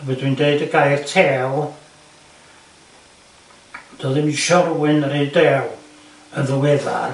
A pan dwi'n dweud y gair 'tew' doedd ddim isio wŷn yr un dew yn ddiweddar